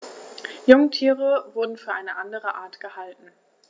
Jungtiere wurden für eine andere Art gehalten.